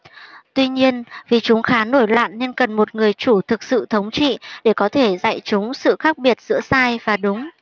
tuy nhiên vì chúng khá nổi loạn nên cần một người chủ thực sự thống trị để có thể dạy chúng sự khác biệt giữa sai và đúng